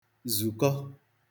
zùkọ